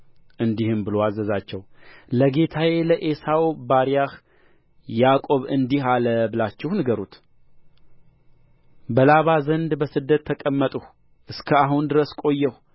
እንዲህም ብሎ አዘዛቸው ለጌታዬ ለዔሳው ባሪያህ ያዕቆብ እንዲህ አለ ብላችሁ ንገሩት በላባ ዘንድ በስደት ተቀመጥሁ እስከ አሁን ድረስ ቆየሁ